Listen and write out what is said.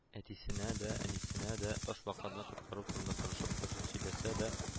Әтисенәдә, әнисенәдә ташбаканы коткаруы турында тырышып—тырышып сөйләсәдә